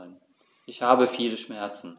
Ich habe viele Schmerzen.